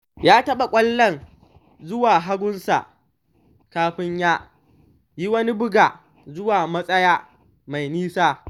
Ya taɓa ƙwallon zuwa hagun ɗinsa kafin ya yi wani bugu zuwa matsaya mai nisa.